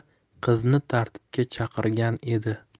qizni tartibga chaqirgan edi